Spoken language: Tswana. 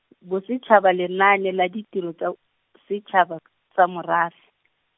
Bosetšhaba Lenaane la Ditiro tsa, Setšhaba , tsa Morafe .